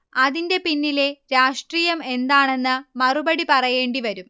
അതിന്റെ പിന്നിലെ രാഷ്ട്രീയം എന്താണെന്ന് മറുപടി പറയേണ്ടി വരും